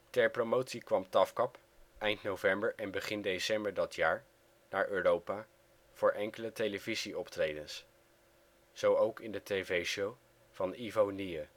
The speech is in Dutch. Ter promotie kwam TAFKAP eind november en begin december dat jaar naar Europa voor enkele televisieoptredens. Zo ook in de TV Show van Ivo Niehe